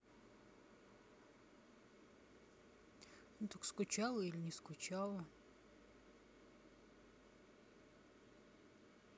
так скучала или не скучала